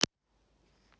меня тоже